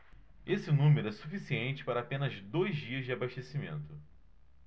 esse número é suficiente para apenas dois dias de abastecimento